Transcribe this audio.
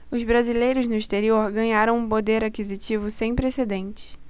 os brasileiros no exterior ganharam um poder aquisitivo sem precedentes